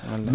wallay